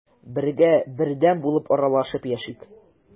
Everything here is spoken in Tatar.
Бергә, бердәм булып аралашып яшик.